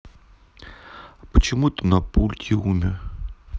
а почему ты на пульте умер